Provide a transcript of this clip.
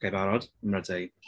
Ok barod? I'm ready.